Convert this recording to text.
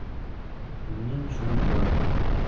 мне ничего не надо